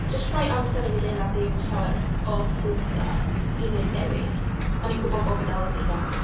Jyst rhoi amser i fy hun a ddim llawer o pwysau i wneud dewis. O'n i'n gwbod bod fi dal yn ifanc.